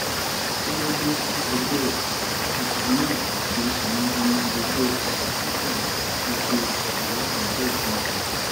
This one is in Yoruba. Kí ló dé tí Ọ̀gbẹ́ni Kavanaugh àti àwọn ọmọ ẹgbẹ́ Republican tako ìwádìí FBI?